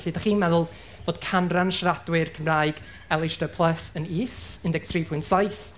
Felly, dach chi'n meddwl bod canran siaradwyr Cymraeg LH D plus yn is, un deg tri pwynt saith.